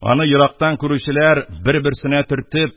Аны ерактан күрүчеләр, бер-берсенә төртеп: